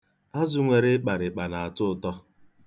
Azụ nwere ịkparịkpa na-atọ ụtọ.